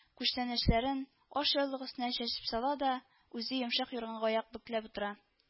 Күчтәнәчләрен ашъяулык өстенә чәчеп сала да, үзе йомшак юрганга аяк бөкләп утыра